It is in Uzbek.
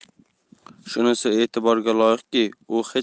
shunisi e'tiborga loyiqki u hech